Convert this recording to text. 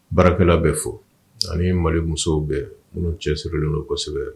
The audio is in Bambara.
Baarakɛlala bɛ fɔ ani mali musow bɛɛ minnu cɛ sirilen don kosɛbɛ